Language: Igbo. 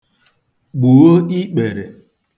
gbùo ikpèrè